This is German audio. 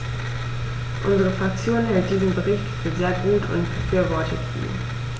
Unsere Fraktion hält diesen Bericht für sehr gut und befürwortet ihn.